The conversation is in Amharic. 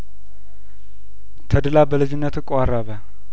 ተድላ በልጅነቱ ቆረበ